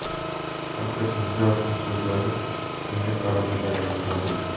shavkat mirziyoyevning so'zlari kimga qaratilganini toping